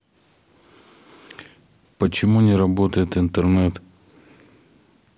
почему не работает интернет